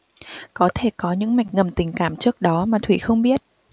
có thể có những mạch ngầm tình cảm trước đó mà thủy không biết